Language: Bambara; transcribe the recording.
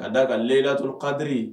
Ka d'a kan layilaturu kadiri